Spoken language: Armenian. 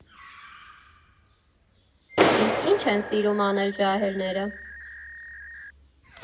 Իսկ ի՞նչ են սիրում անել ջահելները։